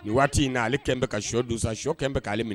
Nin waati in na ale kɛ bɛ ka siyɔ dun siyɔ kɛ bɛ k'ale minɛ